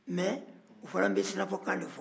mɛ u fana bɛ sinafɔkan de fɔ